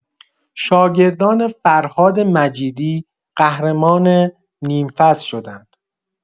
شاگردان فرهاد مجیدی قهرمان نیم‌فصل شدند.